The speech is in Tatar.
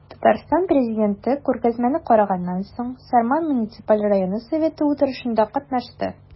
Татарстан Президенты күргәзмәне караганнан соң, Сарман муниципаль районы советы утырышында катнашты.